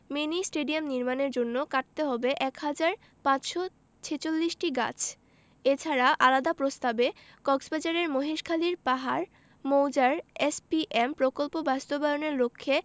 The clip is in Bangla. মিনি স্টেডিয়াম নির্মাণের জন্য কাটতে হবে এক হাজার ৫৪৬টি গাছ এছাড়া আলাদা প্রস্তাবে কক্সবাজারের মহেশখালীর পাহাড় মৌজার এসপিএম প্রকল্প বাস্তবায়নের লক্ষ্যে